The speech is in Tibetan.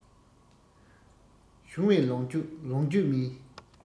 བྱུང བའི ལོངས སྤྱོད ལོངས སྤྱོད མིན